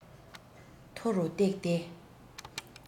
མཐོ རུ བཏེགས ཏེ